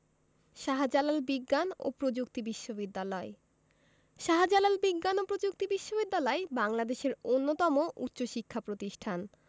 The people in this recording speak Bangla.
শাহ্জালাল বিজ্ঞান ও প্রযুক্তি বিশ্ববিদ্যালয় শাহ্জালাল বিজ্ঞান ও প্রযুক্তি বিশ্ববিদ্যালয় বাংলাদেশের অন্যতম উচ্চশিক্ষা প্রতিষ্ঠান